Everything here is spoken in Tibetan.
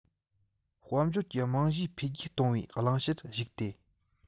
དཔལ འབྱོར གྱི རྨང གཞི འཕེལ རྒྱས གཏོང བའི བླང བྱར གཞིགས ཏེ